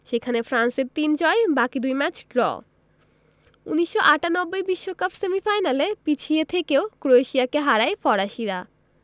সেখানে ফ্রান্সের তিন জয় বাকি দুই ম্যাচ ড্র ১৯৯৮ বিশ্বকাপ সেমিফাইনালে পিছিয়ে থেকেও ক্রোয়েশিয়াকে হারায় ফরাসিরা